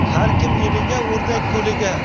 har kim eliga o'rdak ko'liga